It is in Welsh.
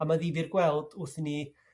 A ma' ddifyr gweld wrth i ni